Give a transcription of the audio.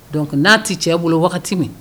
Donc n'a tɛ cɛ bolo wagati min